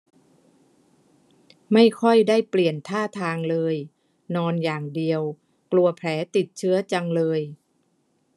ไม่ค่อยได้เปลี่ยนท่าทางเลยนอนอย่างเดียวกลัวแผลติดเชื้อจังเลย